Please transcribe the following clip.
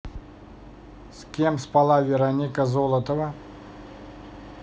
с кем спала вероника золотова